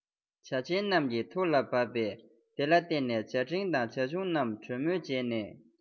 བྱ ཆེན རྣམས ཀྱི ཐུགས ལ བབས པས དེ ལ བརྟེན ནས བྱ འབྲིང དང བྱ ཆུང རྣམས གྲོས མོལ བྱས ནས